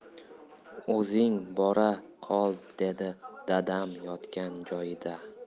o'zing bora qol dedi dadam yotgan joyida